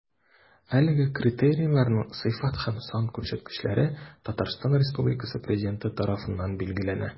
Әлеге критерийларның сыйфат һәм сан күрсәткечләре Татарстан Республикасы Президенты тарафыннан билгеләнә.